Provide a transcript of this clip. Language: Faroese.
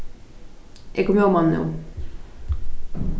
eg komi oman nú